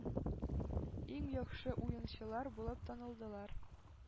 Иң яхшы уенчылар булып танылдылар.